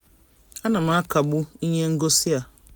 A na m akagbu ihe ngosi a.